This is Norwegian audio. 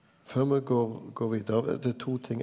før me går går vidare det er to ting.